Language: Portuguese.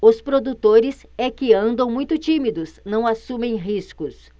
os produtores é que andam muito tímidos não assumem riscos